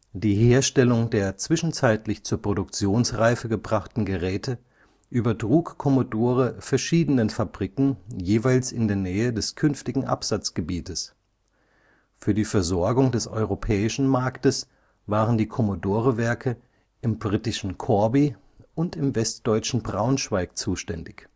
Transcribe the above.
Die Herstellung der zwischenzeitlich zur Produktionsreife gebrachten Geräte übertrug Commodore verschiedenen Fabriken jeweils in der Nähe des künftigen Absatzgebietes: für die Versorgung des europäischen Marktes waren die Commodore-Werke im britischen Corby und im westdeutschen Braunschweig zuständig